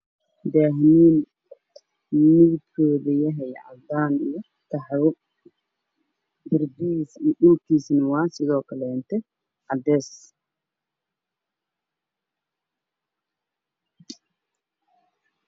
Waa daahman midabkiisu uu yahay cadaan iyo qaxwi. Dhulkana waa cadeys.